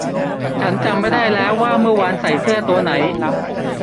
ฉันจำไม่ได้แล้วว่าเมื่อวานใส่เสื้อตัวไหน